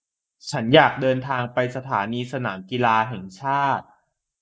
ฉันอยากเดินทางไปสถานีสนามกีฬาแห่งชาติ